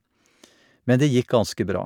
Men det gikk ganske bra.